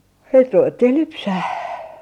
sitten ruvettiin lypsämään